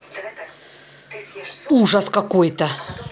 ужас какой то